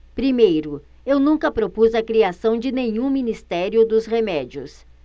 primeiro eu nunca propus a criação de nenhum ministério dos remédios